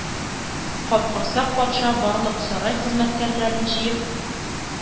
Капкорсак патша барлык сарай хезмәткәрләрен җыеп